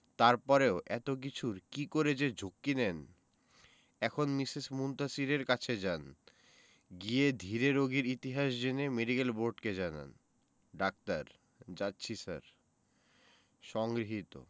তারপরেও এত কিছুর কি করে যে ঝক্কি নেন এখন মিসেস মুনতাসীরের কাছে যান গিয়ে ধীরে রোগীর ইতিহাস জেনে মেডিকেল বোর্ডকে জানান ডাক্তার যাচ্ছি স্যার সংগৃহীত